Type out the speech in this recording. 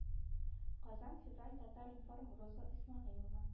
-- казан февраль татар-информ роза исмәгыйлова